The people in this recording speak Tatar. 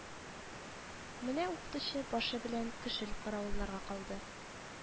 Менә укытучы башы белән көшел каравылларга калды